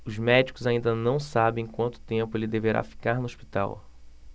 os médicos ainda não sabem quanto tempo ele deverá ficar no hospital